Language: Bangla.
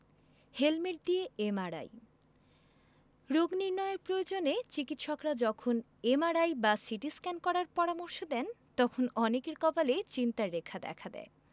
হেলমেট দিয়ে এমআরআই রোগ নির্নয়ের প্রয়োজনে চিকিত্সকরা যখন এমআরআই বা সিটিস্ক্যান করার পরামর্শ দেন তখন অনেকের কপালে চিন্তার রেখা দেখা দেয়